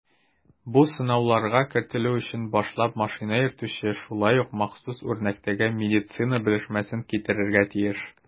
Бу сынауларга кертелү өчен башлап машина йөртүче шулай ук махсус үрнәктәге медицинасы белешмәсен китерергә тиеш.